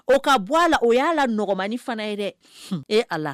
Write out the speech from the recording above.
O ka bɔ a la o y'a la nɔgɔmanin fana ye dɛ, e Ala